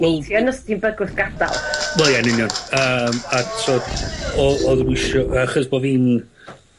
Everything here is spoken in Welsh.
Wel... Ti yn os ti'n bygwth gadal. ...wel ie yn union. Yym a'r... So o- odd nw isio achos bo' fi'n